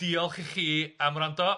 Diolch i chi am wrando.